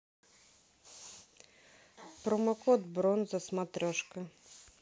промокод бронза смотрешка